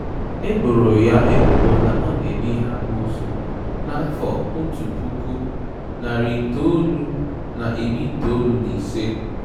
E boro ya ebubo na ọ na-eme ihe amoosu n'afọ 1995.